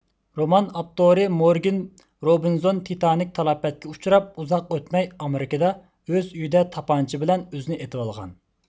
رومان ئاپتورى مورگىن روبىنزون تىتانىك تالاپەتكە ئۇچراپ ئۇزاق ئۆتمەي ئامېرىكىدا ئۆز ئۆيىدە تاپانچا بىلەن ئۆزىنى ئېتىۋالغان